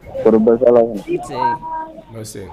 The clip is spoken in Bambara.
Kɔrɔse